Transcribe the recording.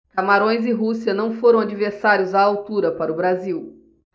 camarões e rússia não foram adversários à altura para o brasil